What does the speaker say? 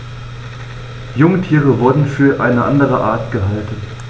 Jungtiere wurden für eine andere Art gehalten.